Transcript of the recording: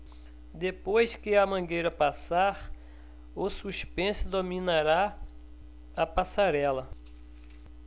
depois que a mangueira passar o suspense dominará a passarela